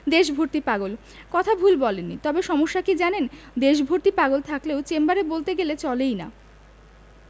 দেশভর্তি পাগল... কথা ভুল বলেননি তবে সমস্যা কি জানেন দেশভর্তি পাগল থাকলেও চেম্বার বলতে গেলে চলেই না